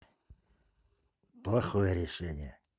плохое решение